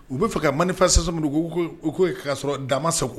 U bɛ fɛ ka man nifa sisan minnu u' k'a sɔrɔ dan sago